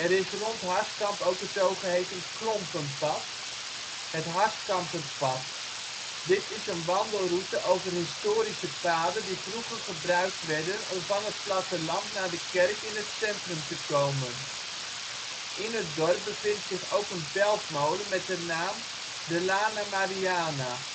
is rond Harskamp ook een zogeheten " klompenpad " (het " Harscamperpad "). Dit is een wandelroute over historische paden die vroeger gebruikt werden om van het platteland naar de kerk in het centrum te komen. In het dorp bevindt zich ook een beltmolen met de naam: De Lana Mariana